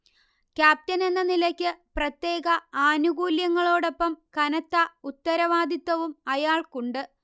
ക്യാപ്റ്റനെന്ന നിലയ്ക്ക് പ്രത്യേക ആനുകൂല്യങ്ങളോടൊപ്പം കനത്ത ഉത്തരവാദിത്തവും അയാൾക്കുണ്ട്